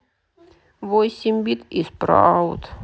восемь бит и спраут